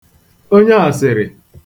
onyeàsị̀rị̀